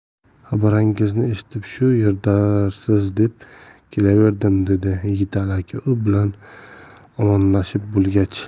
xabaringizni eshitib shu yerdadirsiz deb kelaverdim dedi yigitali aka u bilan omonlashib bo'lgach